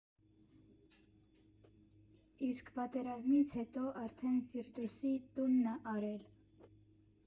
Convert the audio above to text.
Իսկ պատերազմից հետո արդեն Ֆիրդուսի տունն ա առել։